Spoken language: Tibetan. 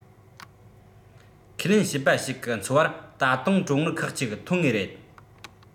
ཁས ལེན བྱིས པ ཞིག གི འཚོ བར ད དུང གྲོན དངུལ ཁག གཅིག འཐོན ངེས རེད